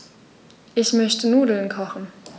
Ich möchte Nudeln kochen.